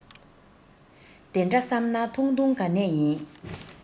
དེ འདྲ བསམས ན ཐུང ཐུང ག ནས ཡིན